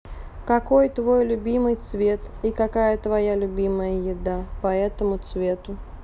какой твой любимый цвет и какая твоя любимая еда по этому цвету